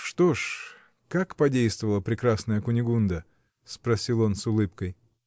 Что ж, как подействовала прекрасная Кунигунда? — спросил он с улыбкой.